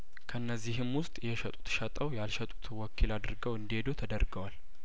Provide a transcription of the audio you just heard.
ከእነዚህም ውስጥ የሸጡት ሸጠው ያልሸጡት ወኪል አድርገው እንዲሄዱ ተደርገዋል